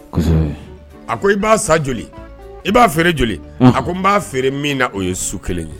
Kosɛbɛ a ko i b'a sa joli i b'a feere joli unh a ko n b'a feere min na o ye su 1 ye